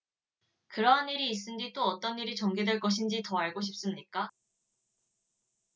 그러한 일이 있은 뒤 또 어떤 일이 전개될 것인지 더 알고 싶습니까